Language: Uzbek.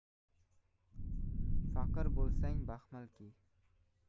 faqir bo'lsang baxmal kiy